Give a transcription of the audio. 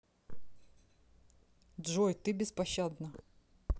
джой ты беспощадна